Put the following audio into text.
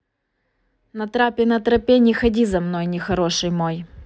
на трапе на тропе не ходи за мной не хороший мой